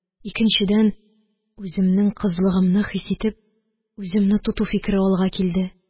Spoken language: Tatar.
Икенчедән, үземнең кызлыгымны хис итеп, үземне тоту фикере алга килде...